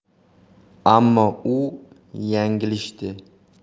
ammo u yanglishdi